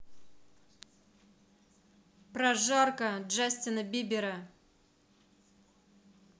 прожарка джастина бибера